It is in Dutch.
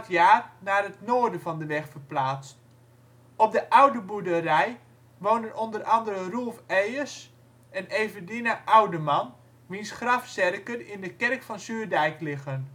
jaar naar het noorden van de weg verplaatst. Op de oude boerderij woonden onder andere Roelf Eyes en Everdina Oudeman, wiens grafzerken in de kerk van Zuurdijk liggen